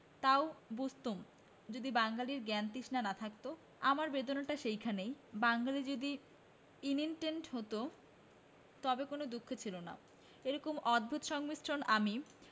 তাও বুঝতুম যদি বাঙালীর জ্ঞানতৃষ্ণা না থাকত আমার বেদনাটা সেইখানে বাঙালী যদি ইনেনন্টেট হত তবে কোন দুঃখ ছিল না এরকম অদ্ভুত সংমিশ্রণ আমি